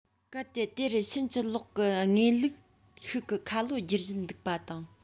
གལ ཏེ དེ རུ ཕྱིན ཅི ལོག གི ངེས ལུགས ཤིག གི ཁ ལོ བསྒྱུར བཞིན འདུག པ དང